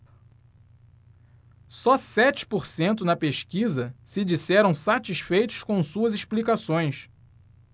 só sete por cento na pesquisa se disseram satisfeitos com suas explicações